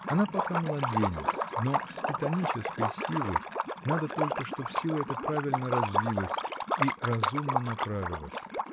Она пока младенец, но с титанической силой: надо только, чтоб сила эта правильно развилась и разумно направилась.